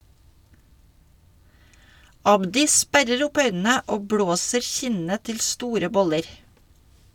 Abdi sperrer opp øynene og blåser kinnene til store boller.